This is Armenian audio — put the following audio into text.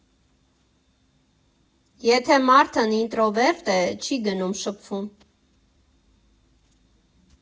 Եթե մարդն ինտրովերտ է, չի գնում շփվում։